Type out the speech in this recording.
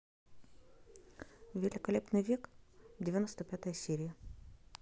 великолепный век девяносто пятая серия